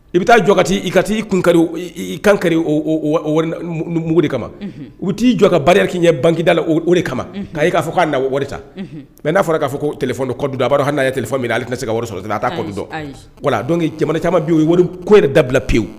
I bɛ taa jɔ kati i ka taa'i kun kari kankari mugu de kama u t'i jɔ ka baara'i ye bangedala o de kama k' k'a fɔ k'a na wari ta mɛ n'a fɔra k'a fɔ kɛlɛ-dɔ kɔ don a ha n'a ye tɛfɛ minɛ ale tɛ se wari sɔrɔ sara a' kɔtɔ wala don jamana camanma bi'o ye weele ko yɛrɛ dabila pewu